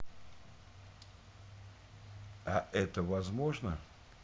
а это возможно